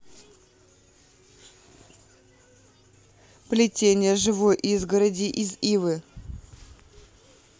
плетение живой изгороди из ивы